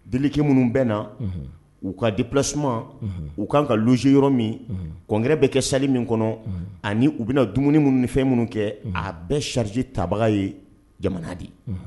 Biiliki minnu bɛ na u ka dilas tasuma u k ka kan ka zsi yɔrɔ min kɔnkɛ bɛ kɛ sa min kɔnɔ ani u bɛna dumuni minnu ni fɛn minnu kɛ a bɛɛ sariyarijji tabaga ye jamana de